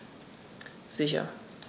Sicher.